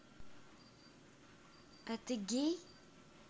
а ты гей